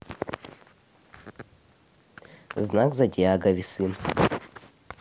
знак зодиака весы